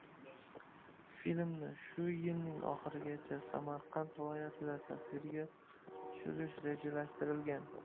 filmni shu yilning oxirigacha samarqand viloyatida tasvirga tushirish rejalashtirilgan